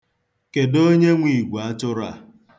Kedụ onye nwe igweatụrụ a?